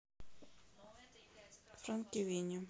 франкевини